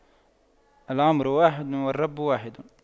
العمر واحد والرب واحد